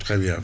très bien